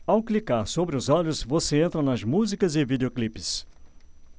ao clicar sobre os olhos você entra nas músicas e videoclipes